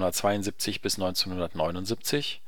1972 bis 1979